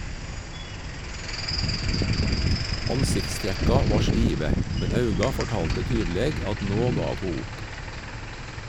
Ansiktstrekka var stive, men auga fortalte tydeleg at nå gav ho opp.